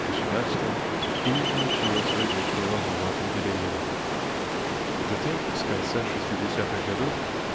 государством и не получила своего правового определения затем с конца шестидесятых годов